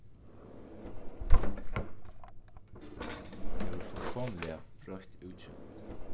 hann hevur fullkomiliga broytt útsjónd